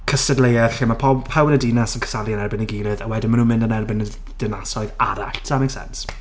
Cystadleuaeth lle mae pob- pawb yn y dinas yn cystadlu yn erbyn ei gilydd a wedyn maen nhw'n mynd yn erbyn y d- dinasoedd arall. Does that make sense?